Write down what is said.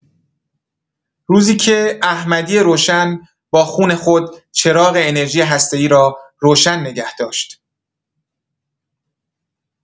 روزی که احمدی‌روشن با خون خود چراغ انرژی هسته‌ای را روشن نگه داشت.